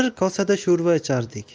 bir kosada sho'rva ichardik